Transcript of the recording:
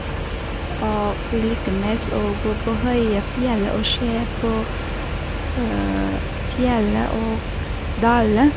Og vi liker mest å gå på høye fjellet og se på fjellet og daler.